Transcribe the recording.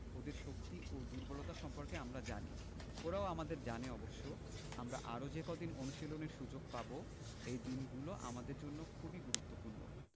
ওদের শক্তি ও দুর্বলতা সম্পর্কে আমরা জানি ওরাও আমাদের জানে অবশ্য আমরা আরও যে কদিন অনুশীলনের সুযোগ পাব এই দিনগুলো আমাদের জন্য খুবই গুরুত্বপূর্ণ